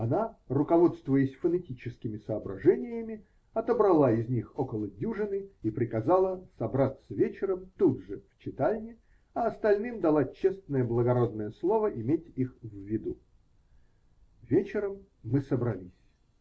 Она, руководствуясь фонетическими соображениями, отобрала из них около дюжины и приказала собраться вечером тут же, в читальне, а остальным дала честное благородное слово иметь их в виду. Вечером мы собрались.